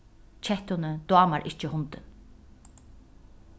kettuni dámar ikki hundin